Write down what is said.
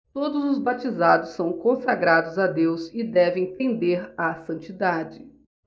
todos os batizados são consagrados a deus e devem tender à santidade